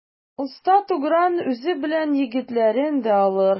Оста Тугран үзе белән егетләрен дә алыр.